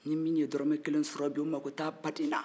ni min ye dɔrɔmɛ kelen sɔrɔ bi o mago t'a baden na